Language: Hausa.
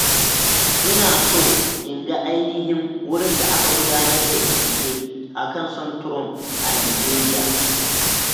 Ina so in ga ainihin wurin da aka gudanar da bincike a kan son Trump a Nijeriya.